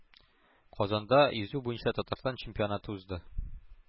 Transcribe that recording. Казанда йөзү буенча Татарстан чемпионаты узды,